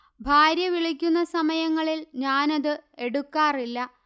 ഭാര്യ വിളിക്കുന്ന സമയങ്ങളിൽ ഞാനത് എടുക്കാറില്ല